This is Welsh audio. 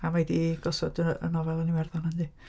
Ac mae hi 'di gosod y y nofel yn Iwerddon yndi.